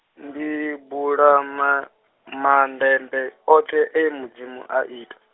ndi bula ma, maḓembe oṱhe e Mudzimu aita.